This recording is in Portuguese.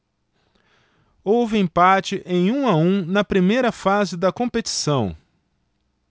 houve empate em um a um na primeira fase da competição